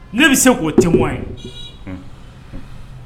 Ne bɛ se k'o te ye